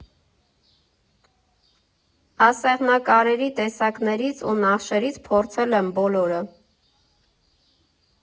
Ասեղնակարերի տեսակներից ու նախշերից փորձել եմ բոլորը։